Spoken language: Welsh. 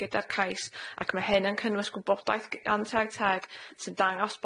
gyda'r cais ac ma' hyn yn cynnwys gwybodaeth g- gan Tai Teg sy'n dangos